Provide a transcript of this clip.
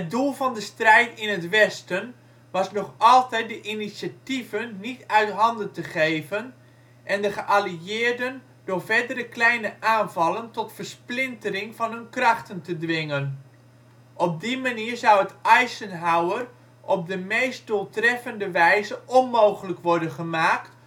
doel van de strijd in het westen was nog altijd de ‘initiatieven’ niet uit handen te geven en de geallieerden door verdere kleine aanvallen tot versplintering van hun krachten te dwingen. Op die manier zou het Eisenhower op de meest doeltreffende wijze onmogelijk worden gemaakt